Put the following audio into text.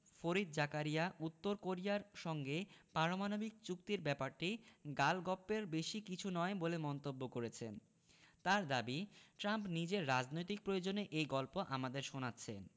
ফরিদ জাকারিয়া উত্তর কোরিয়ার সঙ্গে পারমাণবিক চুক্তির ব্যাপারটি গালগপ্পের বেশি কিছু নয় বলে মন্তব্য করেছেন তাঁর দাবি ট্রাম্প নিজের রাজনৈতিক প্রয়োজনে এই গল্প আমাদের শোনাচ্ছেন